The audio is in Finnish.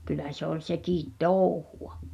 kyllä se oli sekin touhua